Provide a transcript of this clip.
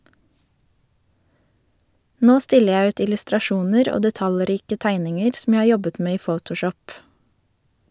Nå stiller jeg ut illustrasjoner og detaljrike tegninger som jeg har jobbet med i photoshop.